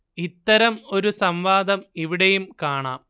ഇത്തരം ഒരു സംവാദം ഇവിടെയും കാണാം